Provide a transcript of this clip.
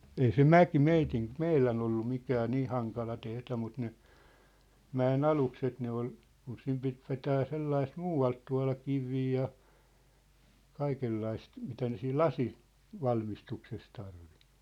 ei se mäki meidän meidän ollut mikään niin hankala tehdä mutta ne mäen alukset ne oli kun sinne piti vetää sellaista muualta tuoda kiviä ja kaikenlaista mitä ne siinä - lasinvalmistuksessa tarvitsi